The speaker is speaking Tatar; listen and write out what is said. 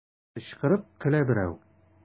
Кычкырып көлә берәү.